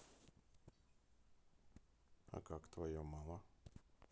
а как твое мало